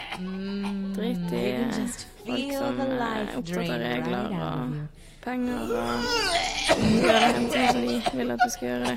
Drit i folk som er opptatt av regler og penger og at du gjør det helt sånn som de vil at du skal gjøre det.